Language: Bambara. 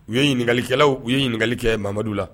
U ye ɲininkalikɛlaw u ye ɲininkali kɛ Mamadu la